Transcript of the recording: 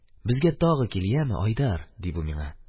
Безгә тагын кил, яме, Айдар! – ди бу миңа.